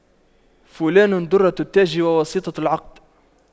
فلان دُرَّةُ التاج وواسطة العقد